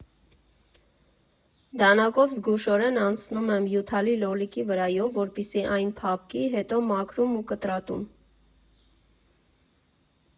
Դանակով զգուշորեն անցնում եմ հյութալի լոլիկի վրայով, որպեսզի այն փափկի, հետո մաքրում ու կտրատում։